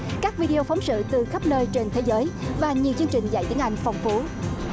các vi đi ô phóng sự từ khắp nơi trên thế giới và nhiều chương trình dạy tiếng anh phong phú